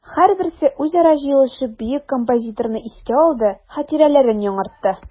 Һәрберсе үзара җыелышып бөек композиторны искә алды, хатирәләрен яңартты.